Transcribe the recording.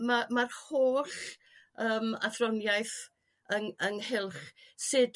ma' ma'r holl yrm athroniaeth yn- ynghylch sud